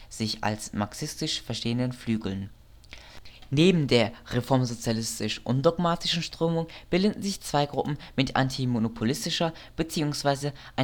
sich als marxistisch verstehenden Flügeln. Neben der reformsozialistisch-undogmatischen Strömung bildeten sich zwei Gruppen mit antimonopolistischer beziehungsweise antirevisionistischer